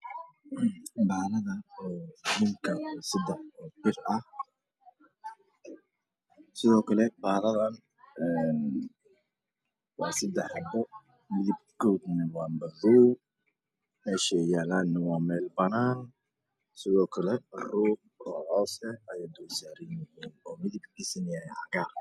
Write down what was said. Balahaladaan oo sadax bir ah sidokle bahaladaan waa sadax xabo midabkoduna waa madoow meshey yaalane waa meel banaan sidookle xuub oo cows eh ayey dul saranyihiin